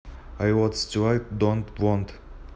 род стюарт донт вонт